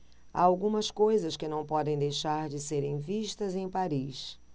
há algumas coisas que não podem deixar de serem vistas em paris